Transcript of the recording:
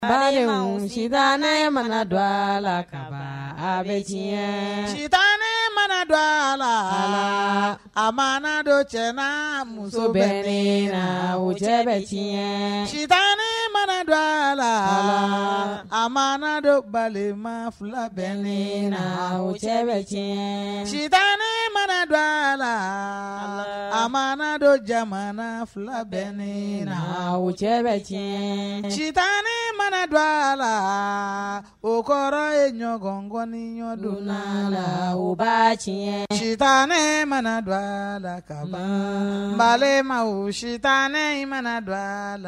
Sita ne mana don dɔ a la ka bɛ diɲɛɲɛ ci ne mana dɔ a la a ma dɔ cɛ muso bɛ wo cɛ bɛɲɛ cita ne mana don a la a ma dɔ balima fila bɛ le wo cɛ bɛ cɛ cita ne mana dɔ a la a ma don jamana fila bɛ ne wo cɛ bɛ tiɲɛ cita ne mana don a la o kɔrɔ ye ɲɔgɔnkɔni ɲɔgɔndon la la ba tiɲɛ ci ne mana don a la ka la bama wo sita ne mana don a la